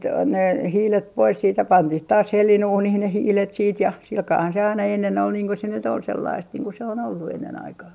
ne hiilet pois sitten ja pantiin taas hellanuuniin ne hiilet sitten ja sillä kalellahan se aina ennen oli niin kuin se nyt oli sellaista niin kuin se on ollut ennen aikaan